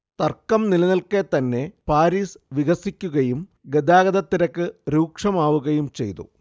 തർക്കം നിലനിൽക്കെത്തന്നെ പാരീസ് വികസിക്കുകയും ഗതാഗതത്തിരക്ക് രൂക്ഷമാവുകയും ചെയ്തു